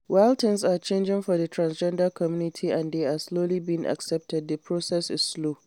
While things are changing for the transgender community and they are slowly being accepted, the process is slow.